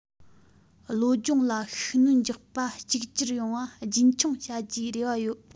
བློ སྦྱོང ལ ཤུགས སྣོན རྒྱག པ གཅིག གྱུར ཡོང བ རྒྱུན འཁྱོངས བྱ རྒྱུའི རེ བ ཡོད